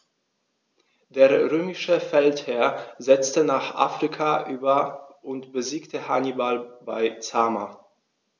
Der römische Feldherr setzte nach Afrika über und besiegte Hannibal bei Zama.